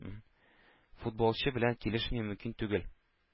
Футболчы белән килешми мөмкин түгел.